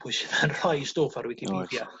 pwy sydd yn rhoi sdwff ar Wicipidia